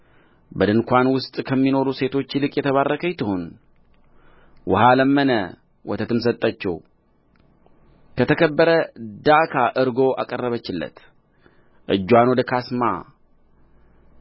በድንኳን ውስጥ ከሚኖሩ ሴቶች ይልቅ የተባረከች ትሁን ውኃ ለመነ ወተትም ሰጠችው በተከበረ ዳካ እርጎ አቀረበችለት እጅዋን ወደ ካስማ